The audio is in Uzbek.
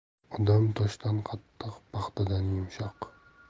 odam toshdan qattiq paxtadan yumshoq